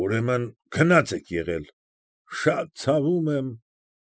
Ուրեմն, քնած եք եղել։ Շատ ցավում եմ։